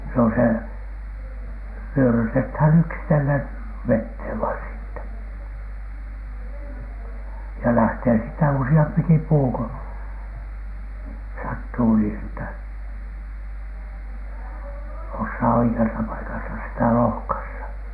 se on se vyörytetään yksitellen veteen vain siitä ja lähtee siitä useampikin puu kun sattuu niin että osaa oikeassa paikassa sitä lohkaista